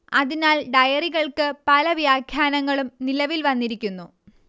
അതിനാൽ ഡയറികൾക്ക് പല വ്യാഖ്യാനങ്ങളും നിലവിൽ വന്നിരിക്കുന്നു